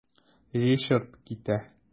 Ричард китә.